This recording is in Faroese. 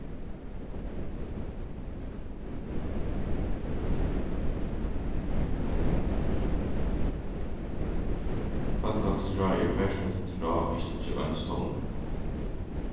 fólkaheilsuráðið er bert eitt ráð og ikki ein stovnur